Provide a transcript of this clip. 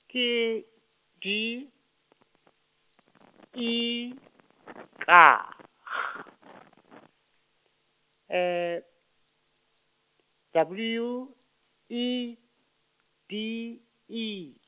ke D, E, K, G, W, E, D, E.